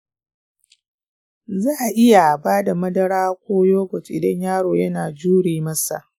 za a iya ba da madara ko yoghurt idan yaro yana jure masa.